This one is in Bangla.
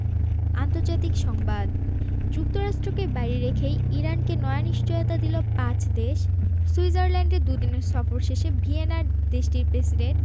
আন্তর্জাতিক সংবাদ যুক্তরাষ্ট্রকে বাইরে রেখেই ইরানকে নয়া নিশ্চয়তা দিল পাঁচ দেশ সুইজারল্যান্ডে দুদিনের সফর শেষে ভিয়েনায় দেশটির প্রেসিডেন্ট